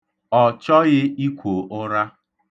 Ọ chọghị ikwo ụra.